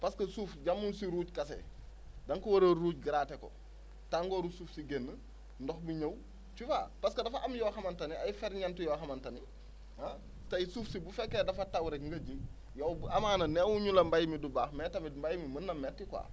parce que suuf yamuñ si ruuj kese da nga ko war a ruuj gratter ko tàngooru suuf si génn ndox mi ñëw tu vois parce que dafa am yoo xamante ne ay ferñeent yoo xamante ni ah tey suuf si bu fekkee dafa taw rek nga ji yow amaana newuñu la mbay mi du baax mais tamit mbay mi mun na métti quoi